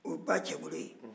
o ye ba cɛbolo ye